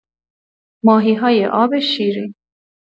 ماهی‌های آب شیرین